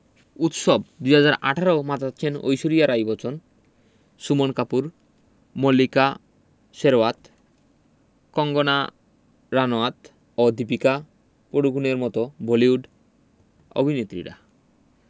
উৎসব ২০১৮ মাতাচ্ছেন ঐশ্বরিয়া রাই বচ্চন সুমন কাপুর মল্লিকা শেরওয়াত কঙ্গনা রানাউত ও দীপিকা পড়কোনের মতো বলিউড অভিনেত্রীরা